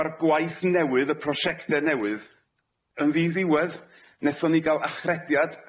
Ma'r gwaith newydd y proshecte newydd yn ddi-ddiwedd. Nethon ni ga'l achrediad